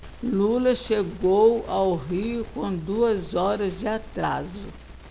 lula chegou ao rio com duas horas de atraso